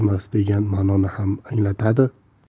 emas degan manoni ham anglatadi